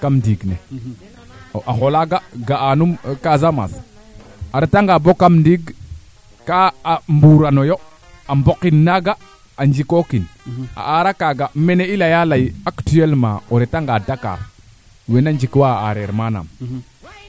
to ngaaf ne fendeen na koy leyi rong a ñaama la nda soxonum sax mumeen bugiran soxan ka kaaf ka mbendeen na mumeen fa leŋ bugiran tellement que kaa xaand bo xut to a qandala le o qande lum soomo ten ref fogu o qandelum iyo